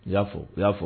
I y'a fɔ u y'a fɔ